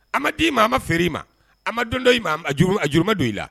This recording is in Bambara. A ma dii ma a ma feere i ma a ma don dɔ ma ajuruma don i la